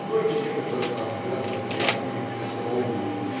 ноги некоторых обвязаны тряпками вместо обуви.